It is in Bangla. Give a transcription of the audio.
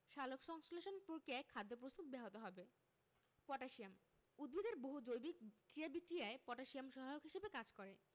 সালোকসংশ্লেষণ প্রক্রিয়ায় খাদ্য প্রস্তুত ব্যাহত হবে পটাশিয়াম উদ্ভিদের বহু জৈবিক ক্রিয়া বিক্রিয়ায় পটাশিয়াম সহায়ক হিসেবে কাজ করে